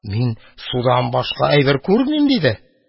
Мин судан башка әйбер күрмим, – диде.